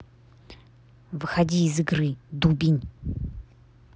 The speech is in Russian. выходи из игры дубень ебаный